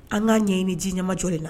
An k kaa ɲɛɲini ni ji ɲamamajɔ de la